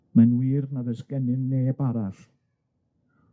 Mae'n wir nad oes gennym neb arall.